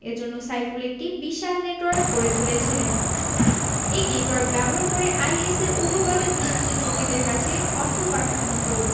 এ জন্য সাইফুল একটি বিশাল নেটওয়ার্ক গড়ে তুলেছিলেন এই নেটওয়ার্ক ব্যবহার করে আইএসের উগ্রবাদে বিশ্বাসী জঙ্গিদের কাছে অর্থ পাঠানো হতো